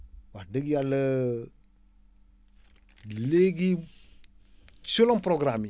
wax dëgg yàlla léegi selon programme yi